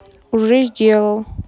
уже сделал